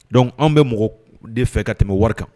Dɔnku an bɛ mɔgɔ de fɛ ka tɛmɛ wari kan